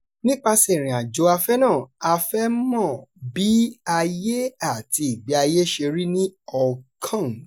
Nípasẹ̀ ìrìnàjò afẹ́ náà, a fẹ́ mọ bí ayé àti ìgbé ayé ṣe rí ní Hong Kong.